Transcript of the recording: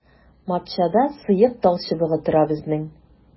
Матчада сыек талчыбыгы тора безнең.